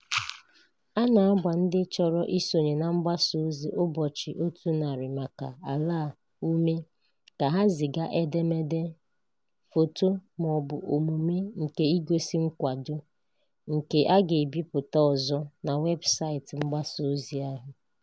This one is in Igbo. A na-agba ndị chọrọ isonye na mgbasa ozi "Ụbọchị 100 maka Alaa" ume ka ha ziga "edemede, foto ma ọ bụ omume nke igosi nkwado" nke a ga-ebipụta ọzọ na webụsaịtị mgbasa ozi ahụ: